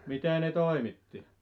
mitä ne toimitti